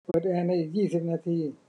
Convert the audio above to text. เปิดแอร์ในอีกยี่สิบนาที